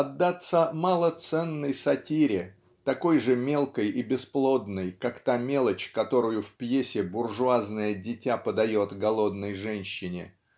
отдаться малоценной сатире, такой же мелкой и бесплодной, как та мелочь, которую в пьесе буржуазное дитя подает голодной женщине,